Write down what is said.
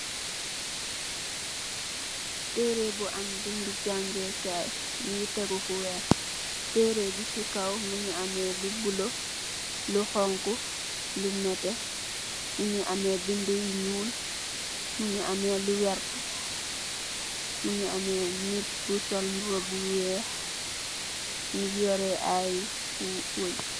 Tereh bu am bede jagekay muge tegu fu weex tereh be se kaw muge ameh lu bulo lu xonxo lu neteh muge ameh bede yu nuul muge ameh lu werte muge ameh neet bu sol muba bu weex mu yureh aye weah.